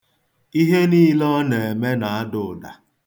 Ihe niile ọ na-eme na-ada ụda.